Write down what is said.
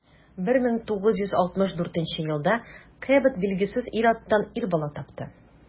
1964 елда кэбот билгесез ир-аттан ир бала тапты.